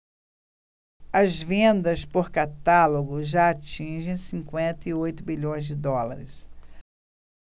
as vendas por catálogo já atingem cinquenta e oito bilhões de dólares